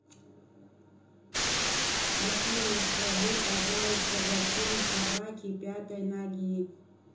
афина скажи пожалуйста зачем собаки пятой ноги